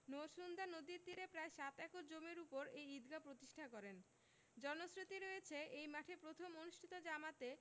নরসুন্দা নদীর তীরে প্রায় সাত একর জমির ওপর এই ঈদগাহ প্রতিষ্ঠা করেন জনশ্রুতি রয়েছে এই মাঠে প্রথম অনুষ্ঠিত জামাতে